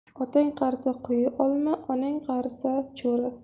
otang qarisa qui olma onang qarisa cho'ri